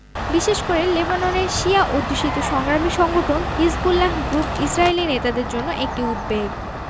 বিশেষ করে লেবাননের শিয়া অধ্যুষিত সংগ্রামী সংগঠন হিজবুল্লাহ গ্রুপ ইসরায়েলি নেতাদের জন্য একটি উদ্বেগ